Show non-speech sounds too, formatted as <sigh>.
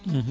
<hesitation> <hesitation>